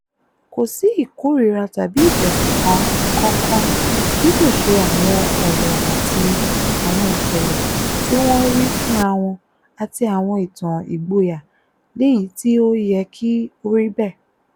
Kò sì ìkórìíra tàbí ìfẹ̀sùnkàn kankan, bí kò ṣe àwọn ọ̀rọ̀ àti àwọn ìṣẹ̀lẹ̀ tí wọ́n rí fúnra wọn àti àwọn ìtàn ìgboyà lèyí tí ó yẹ kí ó rí bẹ́ẹ̀.